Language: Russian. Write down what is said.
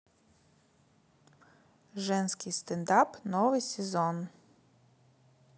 женский стендап новый сезон